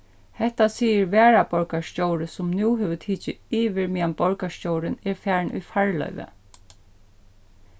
hetta sigur varaborgarstjóri sum nú hevur tikið yvir meðan borgarstjórin er farin í farloyvi